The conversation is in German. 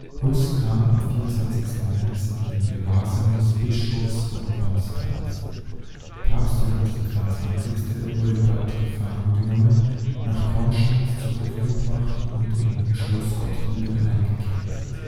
Hus kam am 24. März in den Gewahrsam des Bischofs von Konstanz. Johannes XXIII. wurde bald selbst gefangen genommen, nach Konstanz zurückgebracht und in Schloss Gottlieben eingekerkert